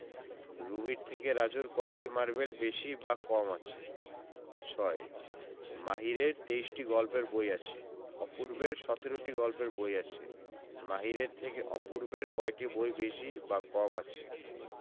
রুমির থেকে রাজুর কয়টি মারবেল বেশি বা কম আছে ৬ মাহিরের ২৩টি গল্পের বই আছে অপূর্বের ১৭টি গল্পের বই আছে মাহিরের থেকে অপূর্বের কয়টি বই বেশি বা কম আছে